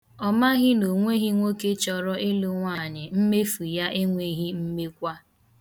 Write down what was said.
Ọ maghị na onweghi nwoke chọrọ ịlụ nwaanyị mmefu ya enweghị mmekwa.